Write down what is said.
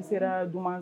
An sera dun